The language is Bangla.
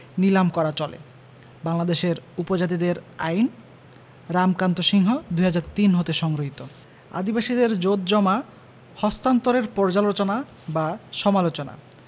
নীলাম করা চলে বাংলাদেশের উপজাতিদের আইন রামকান্ত সিংহ ২০০৩ হতে সংগৃহীত আদিবাসীদের জোতজমা হস্তান্তরের পর্যালোচনা বা সমালোচনা